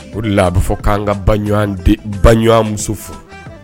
O de a bɛ fɔ k'an ka baɲ muso fɔ